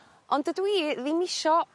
Ond dydw i ddim isio